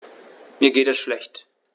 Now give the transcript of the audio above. Mir geht es schlecht.